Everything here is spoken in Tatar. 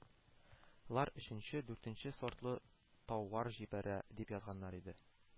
Ләр өченче, дүртенче сортлы тауар җибәрә, дип язганнар иде